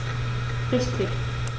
Richtig